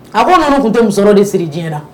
A ko nan tun tɛ musokɔrɔba de siri diɲɛ la